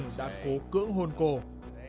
đã cố cưỡng hôn cô